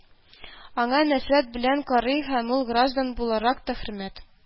Аңа нәфрәт белән карый һәм ул граждан буларак та хөрмәт